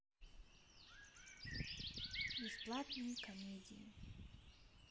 бесплатные комедии